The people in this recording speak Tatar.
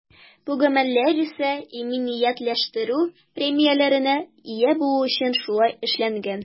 Бу гамәлләр исә иминиятләштерү премияләренә ия булу өчен шулай эшләнгән.